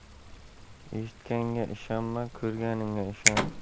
eshitganga ishonma ko'rganingga ishon